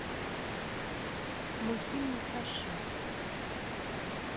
мультфильмы про счет